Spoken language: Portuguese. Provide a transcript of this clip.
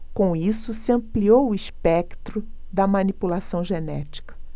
com isso se ampliou o espectro da manipulação genética